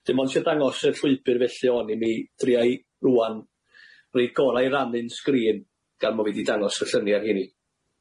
Dim ond isio dangos y llwybyr felly o'n i. Mi dria' i rŵan roi'r gorau i rannu'n sgrin gan bo' fi 'di dangos y llynia rheini.